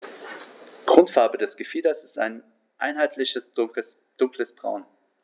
Grundfarbe des Gefieders ist ein einheitliches dunkles Braun.